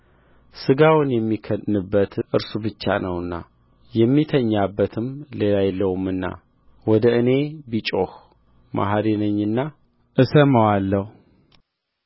ሥጋውን የሚከድንበት እርሱ ብቻ ነውና የሚተኛበትም ሌላ የለውምና ወደ እኔም ቢጮኽ መሐሪ ነኝና እሰማዋለሁ